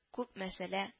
Күп мәсьәлә